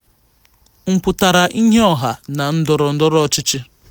Mmpụtara Ihe Ọha na Ndọrọ Ndọrọ Ọchịchị